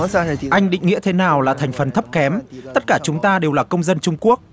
anh định nghĩa thế nào là thành phần thấp kém tất cả chúng ta đều là công dân trung quốc